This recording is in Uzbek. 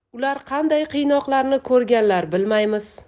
ular qanday qiynoqlarni ko'rganlar bilmaymiz